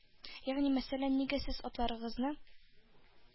Ягъни мәсәлән, нигә сез атларыгызны